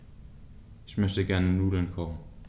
Ich möchte gerne Nudeln kochen.